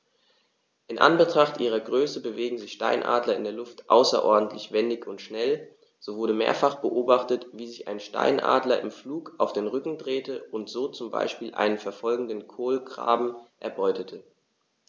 In Anbetracht ihrer Größe bewegen sich Steinadler in der Luft außerordentlich wendig und schnell, so wurde mehrfach beobachtet, wie sich ein Steinadler im Flug auf den Rücken drehte und so zum Beispiel einen verfolgenden Kolkraben erbeutete.